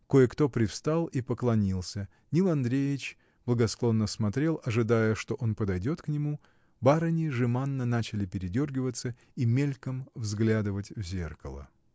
Кое-кто привстал и поклонился, Нил Андреич благосклонно смотрел, ожидая, что он подойдет к нему, барыни жеманно начали передергиваться и мельком взглядывать в зеркало.